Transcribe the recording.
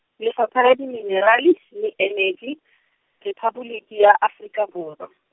Lefapha la Diminerale, le Eneji, Rephaboliki ya Afrika Borwa.